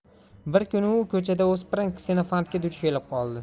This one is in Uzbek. bir kuni u ko'chada o'spirin ksenofantga duch kelib qoldi